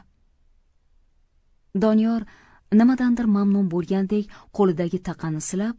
doniyor nimadandir mamnun bo'lgandek qo'lidagi taqani silab